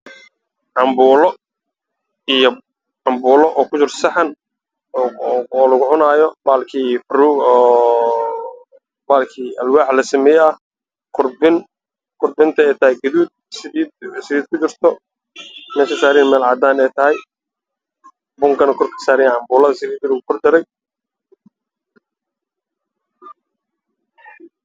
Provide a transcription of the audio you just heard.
Canbuulo ku jirto saxan ayaa ka muuqdo meeshaan